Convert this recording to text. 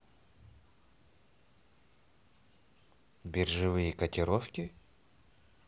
биржевые котировки